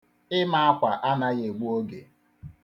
Ima akwa anaghi egbu oge.